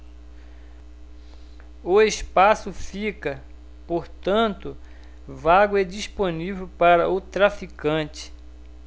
o espaço fica portanto vago e disponível para o traficante